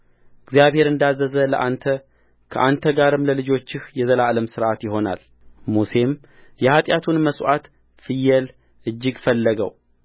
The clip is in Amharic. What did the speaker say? እግዚአብሔር እንዳዘዘ ለአንተ ከአንተ ጋርም ለልጆችህ የዘላለም ሥርዓት ይሆናልሙሴም የኃጢያቱን መሥዋዕት ፍየል እጅግ ፈለገው